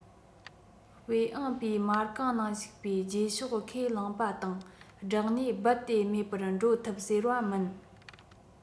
དཔེ ཨང པའི མ རྐང ནང ཞུགས པའི རྗེས ཕྱོགས ཁས བླངས པ དང སྦྲགས ནས རྦད དེ མེད པར འགྲོ ཐུབ ཟེར བ མིན